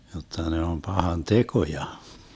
jotta ne on pahan tekoja